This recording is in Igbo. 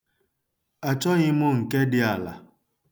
Achọghị m nke dị ala.